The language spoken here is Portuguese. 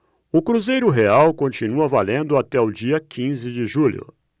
o cruzeiro real continua valendo até o dia quinze de julho